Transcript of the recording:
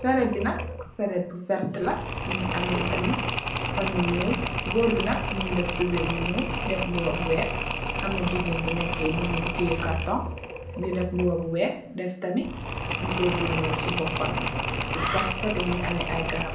saret bi mongi am lu wert mungi ame tamit pano yu njoul Goor bi nak Goor bi nak mungi def Tobey bu njul def mbouba bu wex mugi am gigen bu nekeni mogi teyē kartong mungi def mbouba bu wex mungi def musor bu njul ci bopambi kote bi mungi ame ay garab